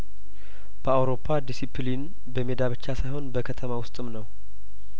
በአውሮፓ ዲሲፕሊን በሜዳ ብቻ ሳይሆን በከተማ ውስጥም ነው